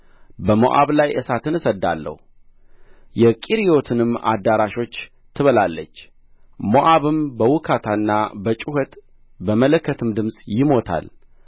በሞዓብ ላይ እሳትን እሰድዳለሁ የቂርዮትንም አዳራሾች ትበላለች ሞዓብም በውካታና በጩኸት በመለከትም ድምፅ ይሞታል